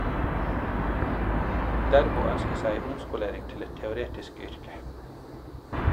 Dervo ønsker seg omskolering til et teoretisk yrke.